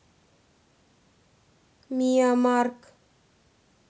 mia mark